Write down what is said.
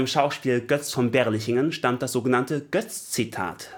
Schauspiels Götz von Berlichingen mit dem sogenannten Götz-Zitat